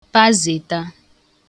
pazèta